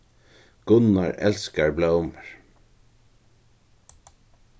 gunnar elskar blómur